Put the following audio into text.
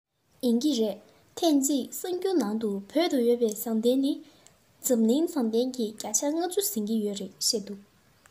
ཡིན གྱི རེད ཐེངས གཅིག གསར འགྱུར ནང དུ བོད དུ ཡོད པའི ཟངས གཏེར གྱིས འཛམ གླིང ཟངས གཏེར གྱི བརྒྱ ཆ ལྔ བཅུ ཟིན གྱི ཡོད ཟེར བཤད འདུག